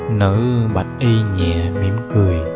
nữ bạch y nhẹ mỉm cười